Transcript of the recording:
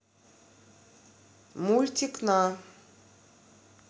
мультик на